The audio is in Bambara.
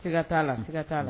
Sɛgɛiga t'a la siiga t'a la